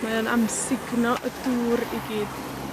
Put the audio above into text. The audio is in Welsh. Mae o'n amsugno y dŵr i gyd.